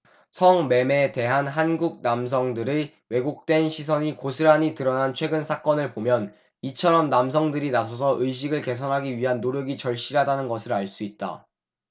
성 매매에 대한 한국 남성들의 왜곡된 시선이 고스란히 드러난 최근 사건을 보면 이처럼 남성들이 나서서 의식을 개선하기 위한 노력이 절실하다는 것을 알 수 있다